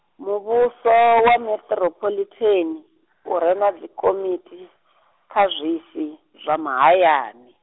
muvhuso wa meṱirophoḽitheni, u re na dzikomiti, kha zwisi, zwa mahayani.